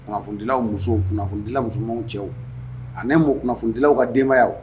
Kunnafonidilaw musow kunnafonidilalaw musomanw cɛw ani mɔ kunnafonidilaw ka denbaya aw